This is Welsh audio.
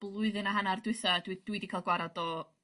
blwyddyn a hannar dwitha dwi dwi 'di ca'l gwarad o